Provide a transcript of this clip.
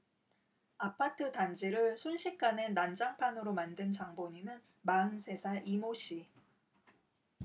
아파트 단지를 순식간에 난장판으로 만든 장본인은 마흔 세 살 이 모 씨